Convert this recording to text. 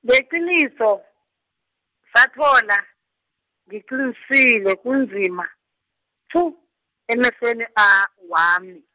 ngeqiniso, sathola, ngiqinisile kunzima, tshu, emehlweni a wami.